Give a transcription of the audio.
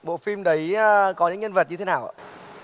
bộ phim đấy a có những nhân vật như thế nào ạ